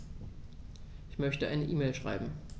Ich möchte eine E-Mail schreiben.